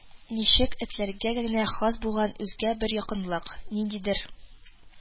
Ничек, этләргә генә хас булган үзгә бер якынлык, ниндидер